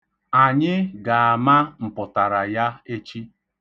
Anyị ga-ama mpụtara ya echi.